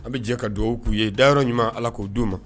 An bɛ jɛ ka dugawu k'u ye da yɔrɔ ɲuman ala k'o di'o ma